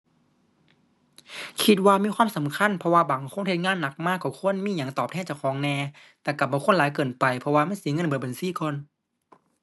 คิดว่ามีความสำคัญ เพราะว่าบางคนเฮ็ดงานหนักมาก็ควรมีหยังตอบแทนเจ้าของแหน่ แต่ก็บ่ควรหลายเกินไป เพราะว่ามันสิเงินเบิดบัญชีก่อน